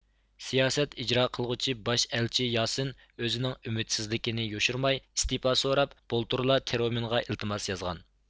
سىياسەت ئىجرا قىلغۇچى باش ئەلچى ياسىن ئۆزىنىڭ ئۈمىدسىزلىكىنى يوشۇرماي ئىستېپا سوراپ بۇلتۇرلا ترومىنغا ئىلتىماس يازغان